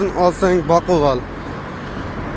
xotin olsang boqib ol